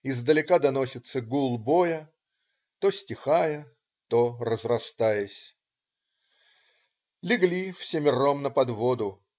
Издалека доносится гул боя, то стихая, то разрастаясь. Легли всемером на подводу.